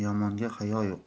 yomonda hayo yo'q